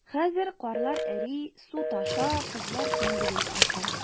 Хәзер карлар эри, су таша - кызлар кендеген ача...